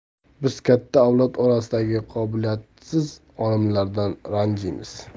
biz katta avlod orasidagi qobiliyatsiz olimlardan ranjiymiz